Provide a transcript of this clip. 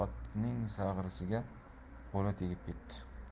otning sag'risiga qo'li tegib ketdi